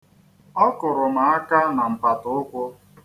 Ọ kụrụ m aka na mpatụụkwụ.